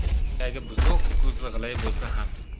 suyagi buzuq ko'zi g'ilay bo'lsa ham